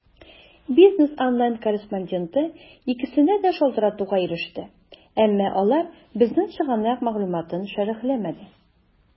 "бизнес online" корреспонденты икесенә дә шалтыратуга иреште, әмма алар безнең чыганак мәгълүматын шәрехләмәде.